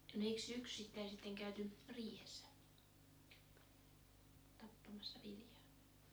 no eikös syksyittäin sitten käyty riihessä tappamassa viljaa